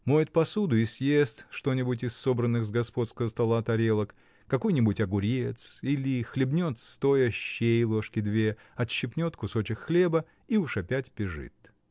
моет посуду и съест что-нибудь с собранных с господского стола тарелок, какой-нибудь огурец, или хлебнет стоя щей ложки две, отщипнет кусочек хлеба и уж опять бежит.